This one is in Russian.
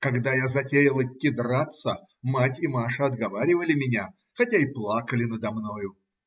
Когда я затеял идти драться, мать и Маша отговаривали меня, хотя и плакали надо мною.